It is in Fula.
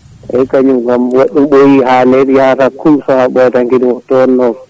eyyi kañum kam waɗi ɗum ɓooyi haalede yahat ha commence so ha ɓooya tan kadi wonta to wonno